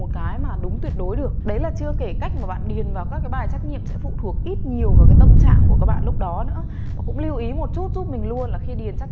đùng một cái mà đúng tuyệt đối được đấy là chưa kể cách mà bạn điền vào các bài trắc nghiệm sẽ phụ thuộc ít nhiều vào tâm trạng của các bạn lúc đó nữa và cũng lưu ý một chút giúp mình luôn là khi điền trắc nghiệm